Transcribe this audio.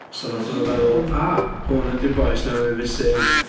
So wnaethon nhw feddwl "A! hwn ydy'r boi sy newydd fynd missing."